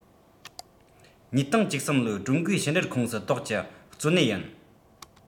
༢༠༡༣ ལོའི ཀྲུང གོའི ཕྱི འབྲེལ ཁོངས སུ གཏོགས ཀྱི གཙོ གནད ཡིན